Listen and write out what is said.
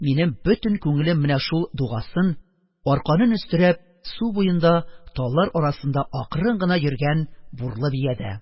Минем бөтен күңелем менә шул дугасын, арканын өстерәп, су буенда, таллар арасында акрын гына йөргән бурлы биядә.